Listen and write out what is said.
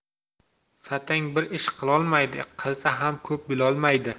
satang bir ish qilolmaydi qilsa ham ko'p bilolmaydi